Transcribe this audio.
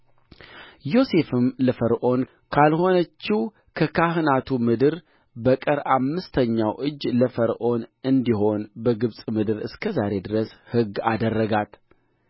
ዮሴፍም ለፈርዖን ካልሆነችው ከካህናቱ ምድር በቀር አምስተኛው እጅ ለፈርዖን እንዲሆን በግብፅ ምድር እስከ ዛሬ ድረስ ሕግ አደረጋት